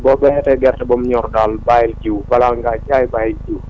boo béyatee gerte ba mu ñor daal bàyyil jiwu balaa ngaa jaay bàyyil jiwu